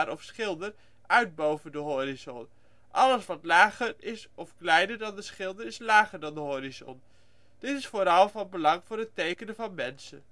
of schilder uit boven de horizon. Alles wat lager of kleiner is dan de schilder, is lager dan de horizon. Dit is vooral van belang voor het tekenen van mensen